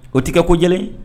O ti kɛ ko jɛlen ye